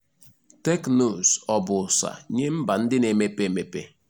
Tekụnụzụ ọ̀ bụ ụsa nye mba ndị na-emepe emepe?